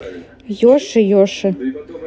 йоши йоши